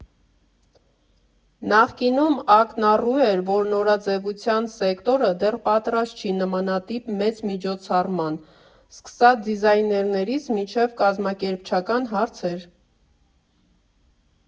Նախկինում ակնառու էր, որ նորաձևության սեկտորը դեռ պատրաստ չի նմանատիպ մեծ միջոցառմաան՝ սկսած դիզայներներից մինչև կազմակերպչական հարցեր։